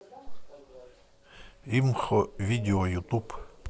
имхо видео ютуб